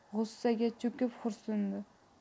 g'ussaga cho'kib xo'rsindi